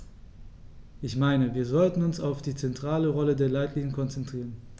Ich meine, wir sollten uns auf die zentrale Rolle der Leitlinien konzentrieren.